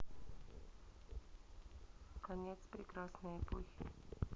конец прекрасной эпохи